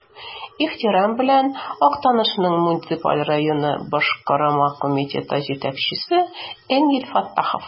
Ихтирам белән, Актаныш муниципаль районы Башкарма комитеты җитәкчесе Энгель Фәттахов.